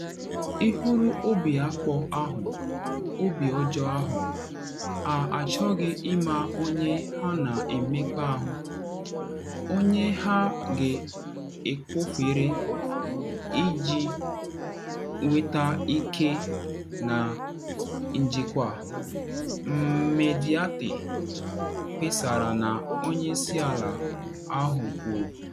Ị hụrụ obi akpọ ahụ, obi ọjọọ ahụ, ha achọghị ịma onye ha na emekpa ahụ, onye ha ga-ekwofere iji nweta ike na njikwa,” Mediaite kpesara na onye isi ala ahụ kwuru.